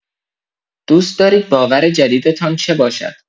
دوست دارید باور جدیدتان چه باشد؟